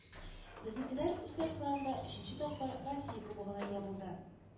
Безнекеләр үз тарихларында өченче тапкыр россия кубогына ия булды